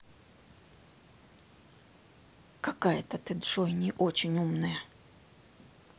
какая то ты джой не очень умная